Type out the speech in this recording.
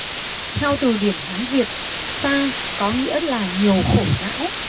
theo từ điển hán việt sa có nghĩa là nhiều khổ não